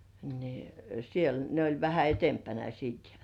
niin siellä ne oli vähän edempänä sitten